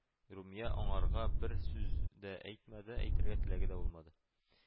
Румия анарга бер сүздә әйтмәде, әйтергә теләгедә булмады